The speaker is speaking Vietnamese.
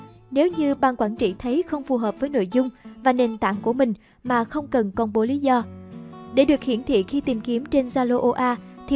nếu như bqt thấy không phù hợp với nội dung và nền tảng của mình mà không cần công bố lí do để được hiển thị khi tìm kiếm trên zalo oa